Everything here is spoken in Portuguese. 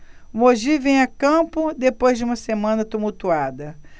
o mogi vem a campo depois de uma semana tumultuada